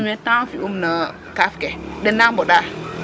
fo fumier temps fi'um no kaaf ke den na mbodaa ?